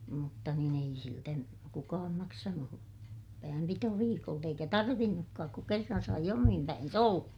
mutta niin ei siltä kukaan maksanut päänpitoviikolta eikä tarvinnutkaan kun kerran sai omin päinsä olla